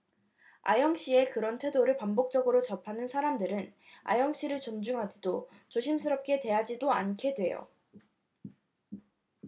아영씨의 그런 태도를 반복적으로 접하는 사람들은 아영씨를 존중하지도 조심스럽게 대하지도 않게 돼요